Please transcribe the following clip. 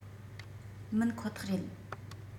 མིན ཁོ ཐག རེད